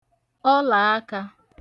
ọlāakā